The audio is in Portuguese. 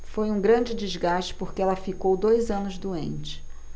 foi um grande desgaste porque ela ficou dois anos doente